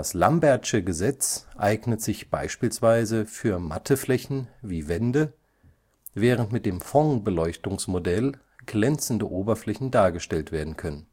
lambertsche Gesetz eignet sich beispielsweise für matte Flächen wie Wände, während mit dem Phong-Beleuchtungsmodell glänzende Oberflächen dargestellt werden können